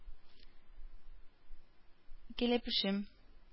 Кәләпүшем